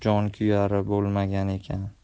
ham jonkuyari bo'lmagan ekan